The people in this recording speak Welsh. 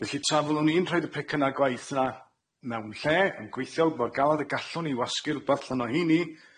Felly tra fyddwn i'n rhoid y pecynna gwaith 'na mewn lle yn gweithio mor galed y gallwn i i wasgu rwbath allan o hini